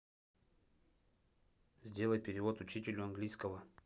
сделай перевод учителю английского